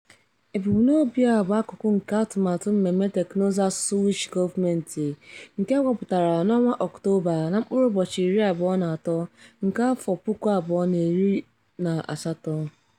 Ebumnobi a bụ akụkụ nke atụmatụ mmemme teknụzụ asụsụ Welsh gọọmentị, nke ewepụtara na Ọktoba 23, 2018.